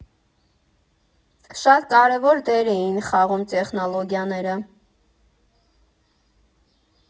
Շատ կարևոր դեր էին խաղում տեխնոլոգիաները։